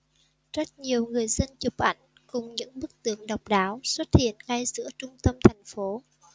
rất nhiều người dân chụp ảnh cùng những bức tượng độc đáo xuất hiện ngay giữa trung tâm thành phố